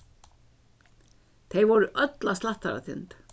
tey vóru øll á slættaratindi